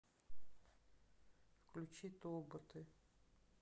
включи тоботы